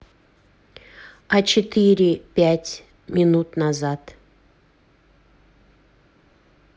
а четыре пять минут назад